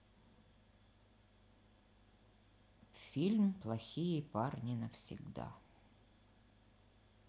фильм плохие парни навсегда